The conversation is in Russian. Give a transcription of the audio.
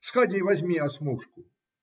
- Сходи, возьми осьмушку.